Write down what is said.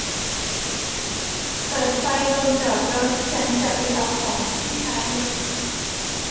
เปิดไฟโรงจอดรถฉันจะไปเอาของที่ท้ายรถ